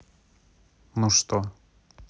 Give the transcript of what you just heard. ну что